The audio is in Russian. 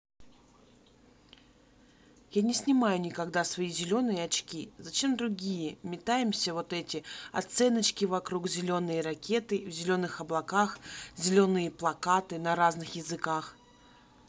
я не снимаю никогда свои зеленые очки зачем другие метаемся вот эти оценочки вокруг зеленые ракеты в зеленых облаках зеленые плакаты на разных языках